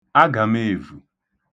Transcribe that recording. agàmeèvù